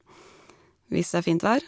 Hvis det er fint vær.